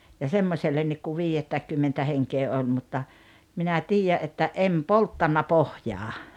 ja semmoisellekin kun viidettäkymmenettä henkeä oli mutta minä tiedän että en polttanut pohjaan